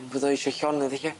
Am bod o isio llonydd ella.